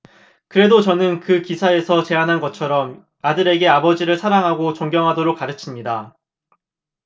그래도 저는 그 기사에서 제안한 것처럼 아들에게 아버지를 사랑하고 존경하도록 가르칩니다